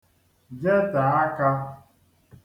jetè akā